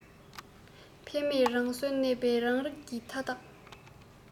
འཕེལ མེད རང སོར གནས པའི རང རིགས ཀྱི མཐའ དག